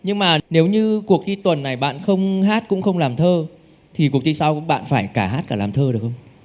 nhưng mà nếu như cuộc thi tuần này bạn không hát cũng không làm thơ thì cuộc thi sau bạn phải cả hát cả làm thơ được không